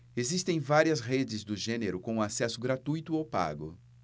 existem várias redes do gênero com acesso gratuito ou pago